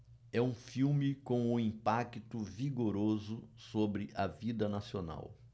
é um filme com um impacto vigoroso sobre a vida nacional